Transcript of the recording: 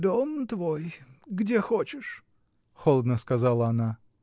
— Дом твой: где хочешь, — холодно сказала она.